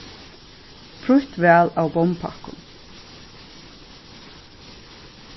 frítt val av bommpakkum